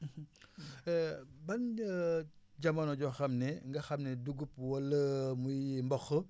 ban jamono joo xam ne nga xam ne dugub wala muy mboq